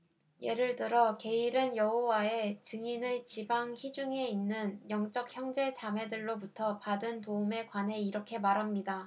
예를 들어 게일은 여호와의 증인의 지방 회중에 있는 영적 형제 자매들로부터 받은 도움에 관해 이렇게 말합니다